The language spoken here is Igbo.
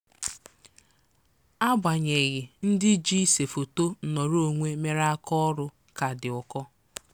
Agbanyeghị, ndị ji ịse foto nnọrọ onwe mere aka ọrụ ka dị ụkọ.